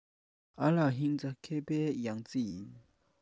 ཨ ལགས ངྷི ཚ མཁས པའི ཡང རྩེ ཡིན